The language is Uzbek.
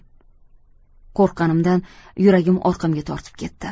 qo'rqqanimdan yuragim orqamga tortib ketdi